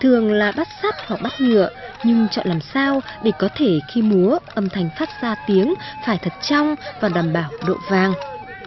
thường là bát sắt hoặc bát nhựa nhưng chọn làm sao để có thể khi múa âm thanh phát ra tiếng phải thật trong và đảm bảo độ vang